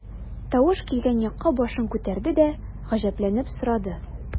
Тавыш килгән якка башын күтәрде дә, гаҗәпләнеп сорады.